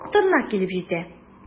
Актырнак килеп җитә.